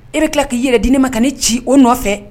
E bɛ tila k ka i yɛrɛ di nei ma ka ne ci o nɔfɛ